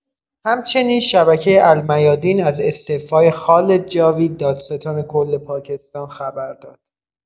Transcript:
همچنبن شبکه المیادین از استعفای خالد جاوید، دادستان کل پاکستان خبر داد.